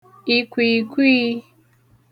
ìkwììkwìi